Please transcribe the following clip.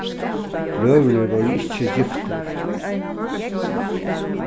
brøðurnir vóru ikki giftir